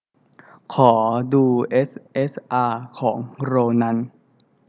ขอดูเอสเอสอาของโรนัน